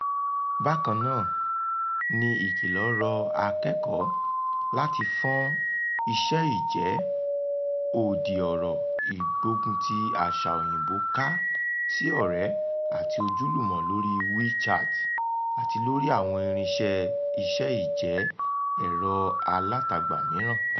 Bákan náà ni ìkìlọ̀ rọ akẹ́kọ̀ọ́ láti fọ́n iṣẹ́-ìjẹ́ òdì-ọ̀rọ̀ ìgbógunti àṣà Òyìnbó ká sí ọ̀rẹ́ àti ojúlùmọ̀ lórí WeChat àti lórí àwọn irinṣẹ́ iṣẹ́-ìjẹ́ ẹ̀rọ-alátagbà mìíràn.